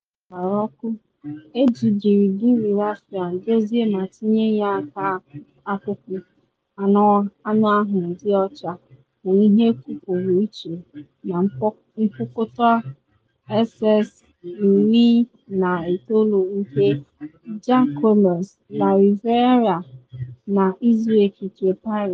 Akpa raffia orenji gbara ọkụ, eji gịrịgịrị raffia dozie ma tinye ya aka akpụkpụ anụahụ dị ọcha, bụ ihe kwụpụrụ iche na mkpokọta SS19 nke Jacquemus’ La Riviera na Izu Ekike Paris.